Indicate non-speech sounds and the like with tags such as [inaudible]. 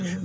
[hesitation] [hesitation]